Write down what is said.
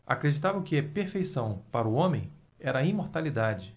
acreditavam que perfeição para o homem era a imortalidade